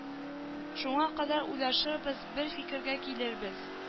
Шуңа кадәр уйлашырбыз бер фикергә килербез